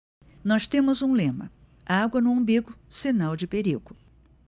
nós temos um lema água no umbigo sinal de perigo